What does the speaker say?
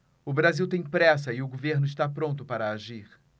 o brasil tem pressa e o governo está pronto para agir